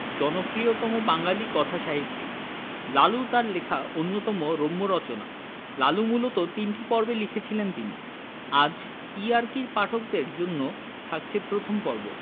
জনপ্রিয়তম বাঙালি কথাসাহিত্যিক লালু তার লেখা অন্যতম রম্য রচনা লালু মূলত তিনটি পর্বে লিখেছিলেন তিনি আজ ইআরকির পাঠকদের জন্যে থাকছে প্রথম পর্ব